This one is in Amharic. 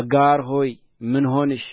አጋር ሆይ ምን ሆንሽ